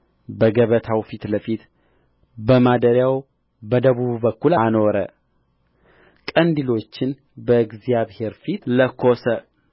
በገበታው ፊት ለፊት በማደሪያው በደቡብ በኩል አኖረ ቀንዲሎቹን በእግዚአብሔር ፊት ለኰሰ